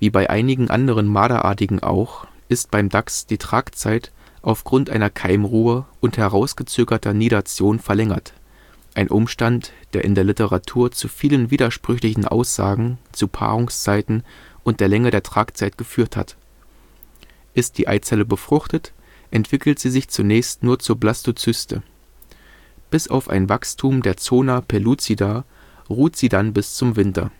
bei einigen anderen Marderartigen auch ist beim Dachs die Tragzeit aufgrund einer Keimruhe und herausgezögerter Nidation verlängert – ein Umstand, der in der Literatur zu vielen widersprüchlichen Aussagen zu Paarungszeiten und der Länge der Tragzeit geführt hat. Ist die Eizelle befruchtet, entwickelt sie sich zunächst nur zur Blastocyste. Bis auf ein Wachstum der Zona pellucida ruht sie dann bis zum Winter